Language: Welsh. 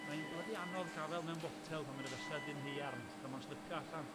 mae'n blydi anodd gafael mewn botel pan ma' fysedd di'n hearn, cho ma'n slipio allan.